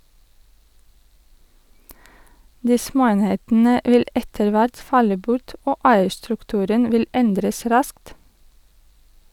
De småenhetene vil etter hvert falle bort og eierstrukturen vil endres raskt.